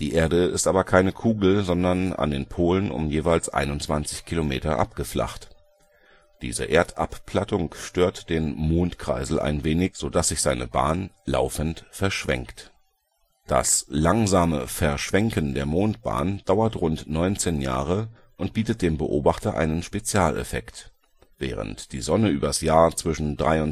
Erde ist aber keine Kugel, sondern an den Polen um jeweils 21 km abgeflacht. Diese Erdabplattung stört den „ Mondkreisel “ein wenig, sodass sich seine Bahn laufend verschwenkt (siehe Präzession). Das langsame Verschwenken der Mondbahn dauert rund 19 Jahre und bietet dem Beobachter einen Spezialeffekt: Während die Sonne übers Jahr zwischen 23,4°